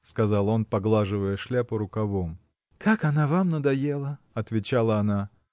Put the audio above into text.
– сказал он, поглаживая шляпу рукавом. – Как она вам надоела! – отвечала она.